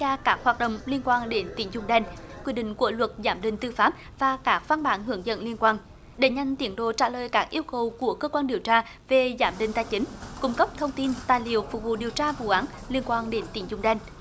tra các hoạt động liên quan đến tín dụng đen quy định của luật giám định tư pháp và các văn bản hướng dẫn liên quan đẩy nhanh tiến độ trả lời các yêu cầu của cơ quan điều tra về giám định tài chính cung cấp thông tin tài liệu phục vụ điều tra vụ án liên quan đến tín dụng đen